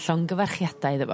Llongyfarchiadau iddo fo.